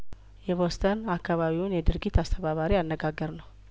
የቦስተን አካባቢውን የድርጊት አስተባባሪ አነጋገር ነው